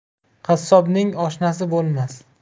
qassobning oshnasi bo'lmas